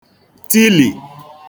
tilì